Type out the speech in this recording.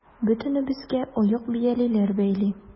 Бөтенебезгә оек-биялиләр бәйли.